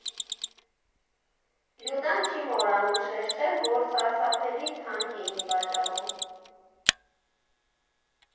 Լյուդան չի մոռանում շեշտել, որ սարսափելի թանկ էին վաճառում։